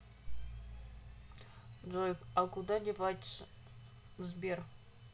джой а куда деваться сбер